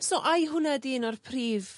So ai hwnna ydi un o'r prif